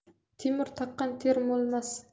temir taqqan termulmas